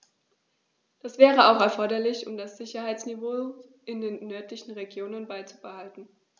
Das wäre auch erforderlich, um das Sicherheitsniveau in den nördlichen Regionen beizubehalten.